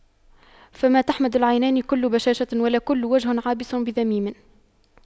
فما تحمد العينان كل بشاشة ولا كل وجه عابس بذميم